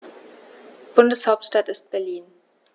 Bundeshauptstadt ist Berlin.